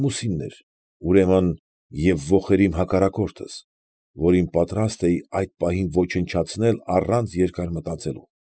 Ամուսինն էր, ուրեմն և ոխերիմ հակառակորդս, որին պատրաստ էի այդ պահին ոչնչացնել առանց երկար մտածելու։